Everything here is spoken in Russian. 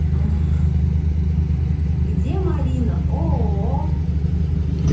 где марина ооо